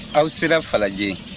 aw sera falajɛ